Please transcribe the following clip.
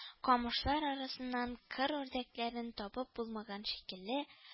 Камышлар арасыннан кыр үрдәкләрен табып булмаган шикелле